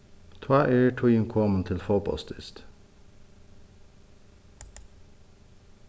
tá er tíðin komin til fótbóltsdyst